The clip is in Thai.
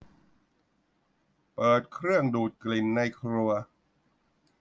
เปิดเครื่องดูดกลิ่นในครัว